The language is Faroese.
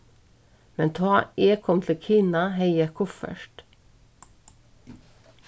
men tá eg kom til kina hevði eg eitt kuffert